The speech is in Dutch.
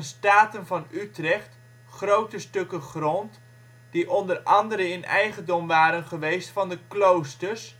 Staten van Utrecht grote stukken grond (die onder andere in eigendom waren geweest van de kloosters)